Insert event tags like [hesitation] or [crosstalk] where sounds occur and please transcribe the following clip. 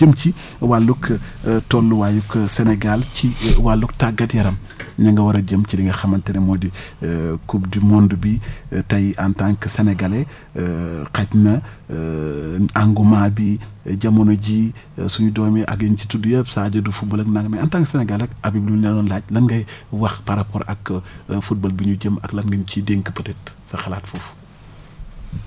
jëm ci wàllug [hesitation] tolluwaayug Sénégal ci wàllug tàggat-yaram ña nga war a jëm ca li nga xamante ne moo di [hesitation] coupe du monde bi tey en tant que sénégalais [hesitation] xaj na [hesitation] engouement bi jamono ji suñu doom yi ak yi ñu ci tudd yëpp Sadio du footbal naan en tant que sénégalais Habib buñ la doon laaj lan ngay wax par rapport ak footbal :ra bi ñu jëm ak lan nga ñu ciy dénk peut être sa xalaat foofu